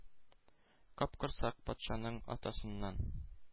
Капкорсак патшаның атасыннан